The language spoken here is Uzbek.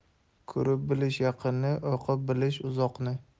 ko'rib bilish yaqinni o'qib bilish uzoqni